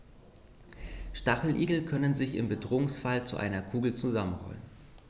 Stacheligel können sich im Bedrohungsfall zu einer Kugel zusammenrollen.